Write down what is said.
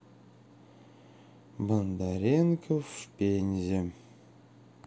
бондаренков в пензе